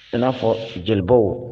N'a fɔ jeliba